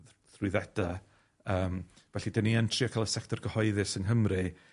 trwyddeda', yym, felly 'dan ni yn trio ca'l y sector cyhoeddus yng Nghymru